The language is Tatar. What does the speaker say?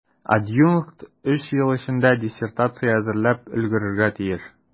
Адъюнкт өч ел эчендә диссертация әзерләп өлгерергә тиеш.